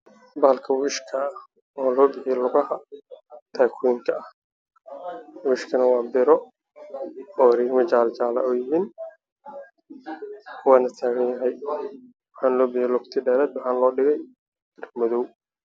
Waa wiish bir iyo madowga jaalo